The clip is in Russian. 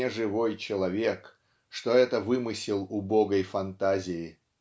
не живой человек, что это вымысел убогой фантазии!